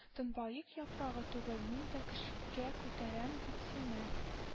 Төнбаек яфрагы түгел, мин дә көчкә күтәрәм бит сине